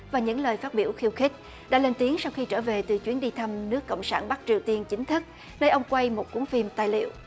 và những lời phát biểu khiêu khích đã lên tiếng sau khi trở về từ chuyến đi thăm nước cộng sản bắc triều tiên chính thức nơi ông quay một cuốn phim tài liệu